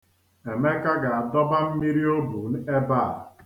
Emeka ga-adọba mmiri o bu ebe a.